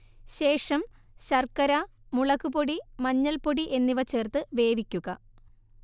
ശേഷം ശർക്കര, മുളക്പൊടി മഞ്ഞൾപ്പൊടി എന്നിവ ചേർത്ത് വേവിക്കുക